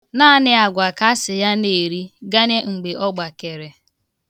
Naanị agwa ka asị ya na-eri ganye mgbe ọ gbakere.